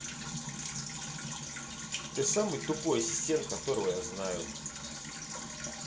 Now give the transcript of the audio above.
ты самый тупой ассистент которого я знаю